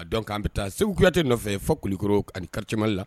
A dɔn k' an bɛ taa segutɛ nɔfɛ fɔ kululikoro ani kari caman la